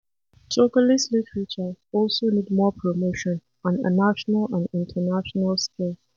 Togolese literature also need more promotion on a national and international scale.